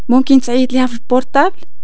ممكن تعيط ليها في البورطابل